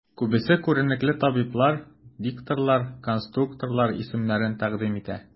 Күбесе күренекле табиблар, дикторлар, конструкторлар исемнәрен тәкъдим итә.